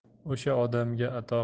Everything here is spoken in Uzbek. o'sha odamga ato